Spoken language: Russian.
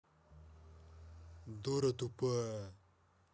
дура тупая